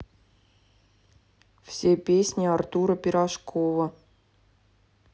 все песни артура пирожкова